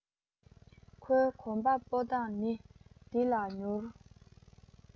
ཁོའི གོམ པ སྤོ སྟངས ནི བདེ ལ མྱུར